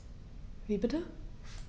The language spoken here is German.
Wie bitte?